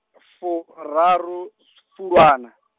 furaru, Fulwana.